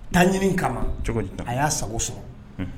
Ta ɲini ka cogo a y'a sago sɔrɔ